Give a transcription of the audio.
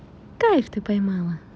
кайф ты поймала